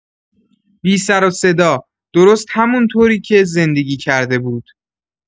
بی‌سروصدا، درست همون‌طوری که زندگی کرده بود.